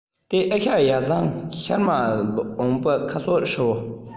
དེ ཨེ ཤེ ཡ བྱང ཤར མ འོངས པའི ཁ ཕྱོགས ཧྲིལ པོ